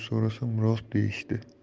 so'rasam rost deyishdi